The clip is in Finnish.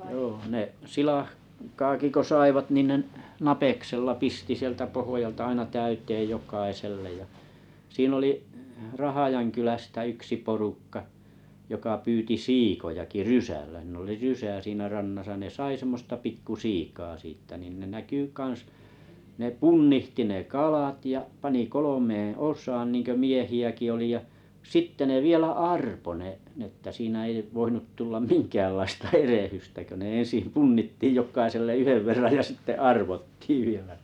joo ne - silakkaakin kun saivat niin ne napeksella pisti sieltä pohjalta aina täyteen jokaiselle ja siinä oli Rahjankylästä yksi porukka joka pyysi siikojakin rysällä siinä oli rysä siinä rannassa ne sai semmoista pikkusiikaa siitä niin ne näkyi kanssa ne punnitsi ne kalat ja pani kolmeen osaan niin kuin miehiäkin oli ja sitten ne vielä arpoi ne ne että siinä ei voinut tulla minkäänlaista erehdystä kun ne ensin punnittiin jokaiselle yhden verran ja sitten arvottiin vielä